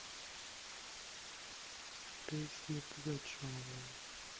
песня пугачевой